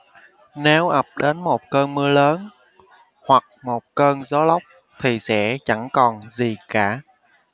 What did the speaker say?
nếu ập đến một cơn mưa lớn hoặc một cơn gió lốc thì sẽ chẳng còn gì cả